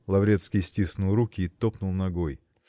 Лаврецкий стиснул руки и топнул ногой.